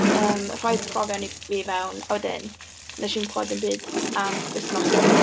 yym, rhoi profion i fi fewn, a wedyn wnes i'm clywed dim byd am wythnosau.